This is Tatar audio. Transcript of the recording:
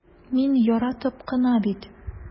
Мин яратып кына бит...